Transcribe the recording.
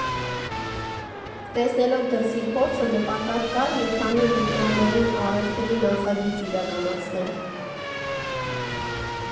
Տեսնելով դրսի փորձը՝ նպատակ կար մի քանի էլեկտրոնային առևտրի նախագիծ իրականացնել։